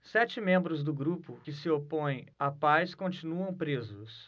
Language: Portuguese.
sete membros do grupo que se opõe à paz continuam presos